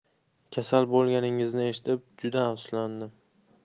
kasal bo'lganingizni eshitib men juda afsuslandim